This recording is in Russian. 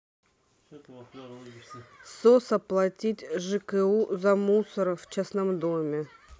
coca платить жку за мусор в частном доме